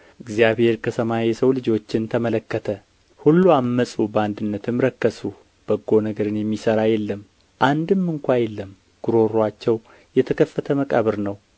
እግዚአብሔር ከሰማይ የሰው ልጆችን ተመለከተ ሁሉ ዐመፁ በአንድነትም ረከሱ በጎ ነገርን የሚሠራ የለም አንድም ስንኳ የለም ጕሮሮአቸው የተከፈተ መቃብር ነው